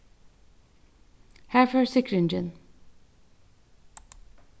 har fór sikkringin